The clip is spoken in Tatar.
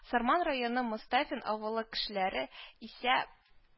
Сарман районы Мостафин авылы кешеләре исә